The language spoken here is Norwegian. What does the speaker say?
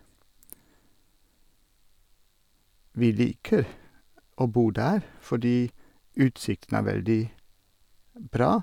Vi liker å bo der fordi utsikten er veldig bra.